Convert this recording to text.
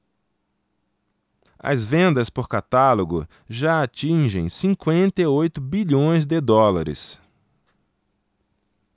as vendas por catálogo já atingem cinquenta e oito bilhões de dólares